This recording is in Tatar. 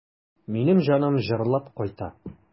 Минем җаным җырлап кайта.